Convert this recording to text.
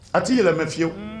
A tɛ'i yɛlɛ yɛlɛmamɛ fiyewu